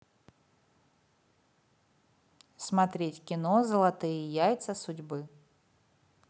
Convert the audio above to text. смотреть кино золотые яйца судьбы